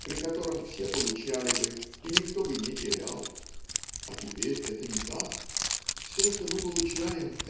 при котором все получали бы и никто бы не терял (а теперь это не так "все, что мы получаем,